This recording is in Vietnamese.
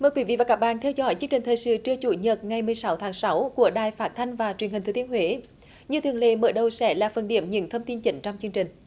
mời quý vị và các bạn theo dõi chương trình thời sự trưa chủ nhật ngày mười sáu tháng sáu của đài phát thanh và truyền hình thừa thiên huế như thường lệ mở đầu sẽ là phần điểm những thông tin chính trong chương trình